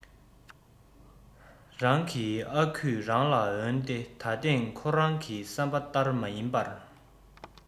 རང གི ཨ ཁུས རང ལ འོན ཏེ ད ཐེངས ཁོ རང གི བསམ པ ཏར མ ཡིན པར